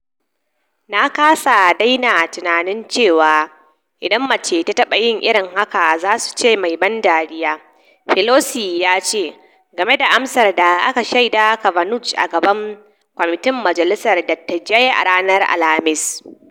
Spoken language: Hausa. "Na kasa daina tunanin cewa idan mace ta taba yin irin haka, za su ce 'mai ban dariya,'" Pelosi yace game da amsar ta akan shaidar Kavanaugh a gaban kwamitin majalisar dattijai a ranar Alhamis.